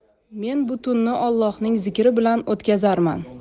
men bu tunni ollohning zikri bilan o'tkazarman